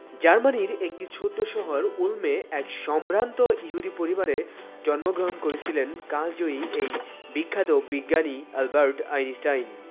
জার্মানির একটি ছোট শহর উল মে এক সম্ভ্রান্ত ইহুদিপরিবারে জন্মগ্রহণ করেছিলেন কালজয়ী এই বিখ্যাত বিজ্ঞানী আলবার্ট আইনস্টাইন